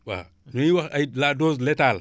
waaw li ñuy wax ay la dose laitale